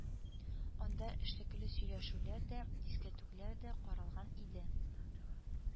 Анда эшлекле сөйләшүләр дә, дискәтүкләр дә каралган иде